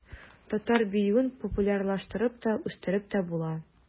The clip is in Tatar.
Татар биюен популярлаштырып та, үстереп тә була.